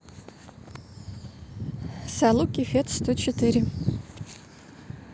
saluki feat сто четыре